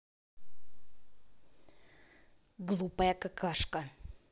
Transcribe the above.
глупая какашка